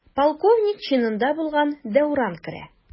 Полковник чинында булган Дәүран керә.